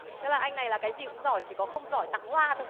tức là anh này là cái gì cũng giỏi chỉ có không giỏi tặng hoa thôi